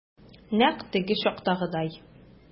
Нәкъ теге чактагыдай.